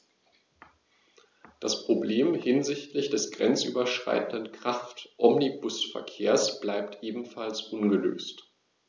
Das Problem hinsichtlich des grenzüberschreitenden Kraftomnibusverkehrs bleibt ebenfalls ungelöst.